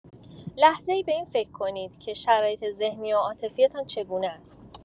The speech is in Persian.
لحظه‌ای به این فکر کنید که شرایط ذهنی و عاطفی‌تان چگونه است.